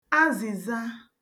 azị̀za